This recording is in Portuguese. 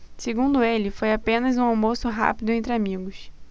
segundo ele foi apenas um almoço rápido entre amigos